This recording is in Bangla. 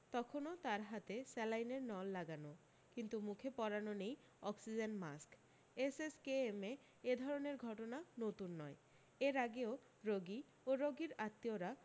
তখনও তার হাতে স্যালাইনের নল লাগানো কিন্তু মুখে পরানো নেই অক্সিজেন মাস্ক এসএসকেএমে এধরনের ঘটনা নতুন নয় এর আগেও রোগী ও রোগীর আত্মীয়রা